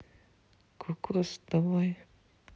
кокос давай